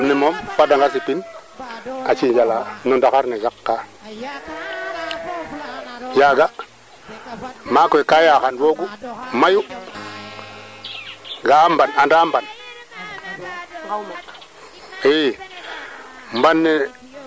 wiin wa ngaad te lambati nel a ɓaxel yaam yaaga ndiiki nda fola fe na a koɓ we njambuuna yer mayee mboga caf ku yoqna teen dal bonu ngaada nu ɓonga caf muktu win mda ngonjog nganjogiran maaga